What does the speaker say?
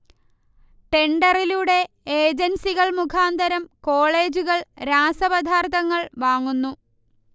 ടെൻഡറിലൂടെ ഏജൻസികൾ മുഖാന്തരം കോളേജുകൾ രാസപദാർത്ഥങ്ങൾ വാങ്ങുന്നു